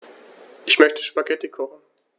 Ich möchte Spaghetti kochen.